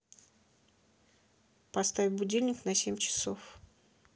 поставь будильник на семь часов